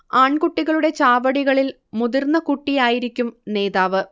ആൺകുട്ടികളുടെ ചാവടികളിൽ മുതിർന്ന കുട്ടിയായിരിക്കും നേതാവ്